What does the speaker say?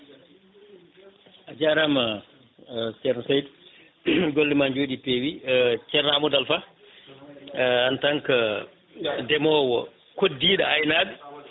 a jarama ceerno Saydou goolema jooɗi pewi ceerno Amadou Alpha en tant que ndeemowo koddiɗo aynaɓe